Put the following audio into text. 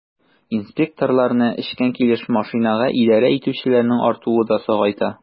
Инспекторларны эчкән килеш машинага идарә итүчеләрнең артуы да сагайта.